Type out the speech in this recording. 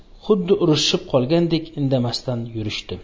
xuddi urishib qolganday indamasdan yurishdi